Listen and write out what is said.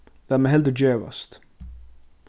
lat meg heldur gevast